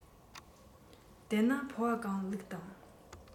དེ ན ཕོར བ གང བླུགས དང